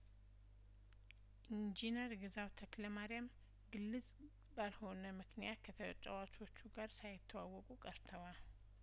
ኢንጂነር ግዛው ተክለማሪያም ግልጽ ባልሆነ ምክንያት ከተጫዋቾቹ ጋር ሳይተዋወቁ ቀርተዋል